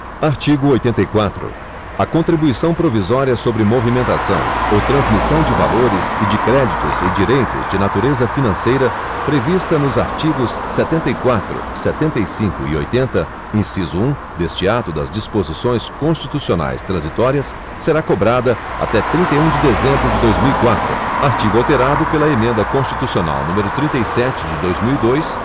artigo oitenta e quatro a contribuição provisória sobre movimentação ou transmissão de valores e de créditos e direitos de natureza financeira prevista nos artigos setenta e quatro setenta e cinco e oitenta inciso um deste ato das disposições constitucionais transitórias será cobrada até trinta e um de dezembro de dois mil e quatro artigo alterado pela emenda constitucional número trinta e sete de dois mil e dois